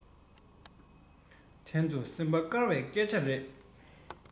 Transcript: དེ ཚོ སེམས པ དཀར བའི སྐད ཆ རེད